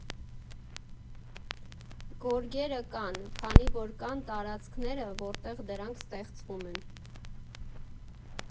Գորգերը կան, քանի որ կան տարածքները, որտեղ դրանք ստեղծվում են։